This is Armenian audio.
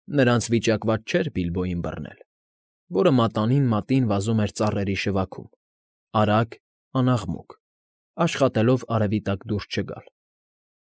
Նրանց վիճակված չէր Բիլբոյին բռնել, որը մատանին մատին վազում էր ծառերի շվաքում՝ արագ, անաղմուկ, աշխատելով արևի տակ դուրս չգալ։